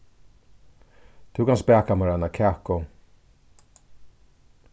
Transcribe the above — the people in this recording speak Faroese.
tú kanst baka mær eina kaku